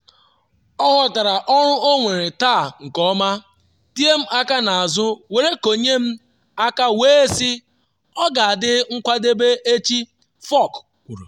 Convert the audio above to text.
“Ọ họtara ọrụ ọ nwere taa nke ọma, tie m aka n’azụ were konye m aka wee sị, ọ ga-adị nkwadebe echi,” Furyk kwuru.